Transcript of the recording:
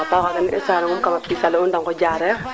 merci beaucoup o tewo paax imba an gon le